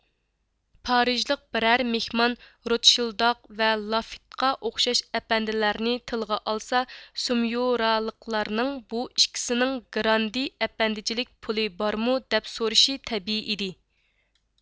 پارىژلىق بىرەر مېھمان روتشىلداخ ۋە لافېتقا ئوخشاش ئەپەندىلەرنى تىلغا ئالسا سوميۇرالىقلارنىڭ بۇ ئىككىسىنىڭ گراندې ئەپەندىچىلىك پۇلى بارمۇ دەپ سورىشى تەبىئىي ئىدى